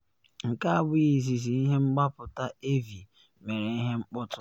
Nke a abụghị izizi ihe mgbapụta Elvie mere ihe mkpọtụ.